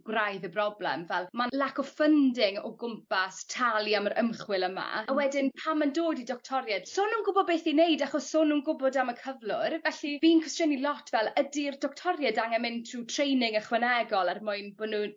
gwraidd y broblem fel ma'n lack of funding o gwmpas talu am yr ymchwil yma a wedyn pan ma'n dod i doctoried so nw'n gwbo beth 'i neud achos so nw'n gwbod am y cyflwr felly fi'n cwestiynu lot fel ydi'r doctoried angen mynd trw training ychwanegol er mwyn bo' nw'n